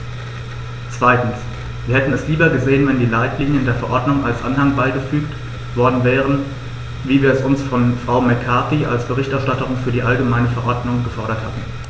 Zweitens: Wir hätten es lieber gesehen, wenn die Leitlinien der Verordnung als Anhang beigefügt worden wären, wie wir es von Frau McCarthy als Berichterstatterin für die allgemeine Verordnung gefordert hatten.